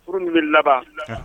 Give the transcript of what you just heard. Furu ni bɛ laban